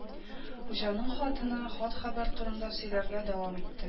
Хуҗаның хатыны хат-хәбәр турында сөйләргә дәвам итте